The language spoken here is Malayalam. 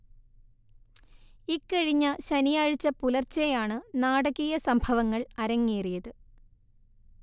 ഇക്കഴിഞ്ഞ ശനിയാഴ്ച പുലർച്ചയാണ് നാടകീയ സംഭവങ്ങൾ അരങ്ങറേിയത്